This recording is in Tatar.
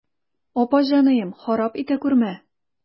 Апа җаныем, харап итә күрмә.